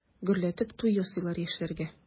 Гөрләтеп туй ясыйлар яшьләргә.